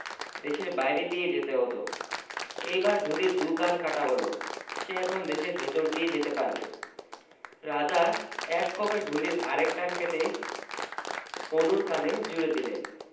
দেশের বাইরে দিয়ে যেতে হত এইবার ঢুলির দু কান কাটা হলসে এখন দেশের ভিতর দিয়ে যেতে পারবে রাজা এক কোপে ঢুলির আর এক কান কেটে হনুর কানে জুড়ে দিলেন